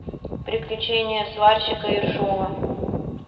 приключения сварщика ершова